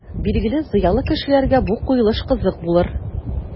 Билгеле, зыялы кешеләргә бу куелыш кызык булыр.